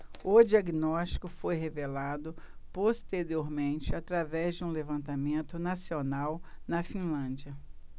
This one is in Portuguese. o diagnóstico foi revelado posteriormente através de um levantamento nacional na finlândia